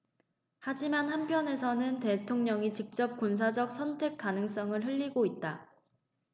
하지만 한편에서는 대통령이 직접 군사적 선택 가능성을 흘리고 있다